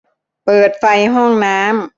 เปิดไฟห้องน้ำ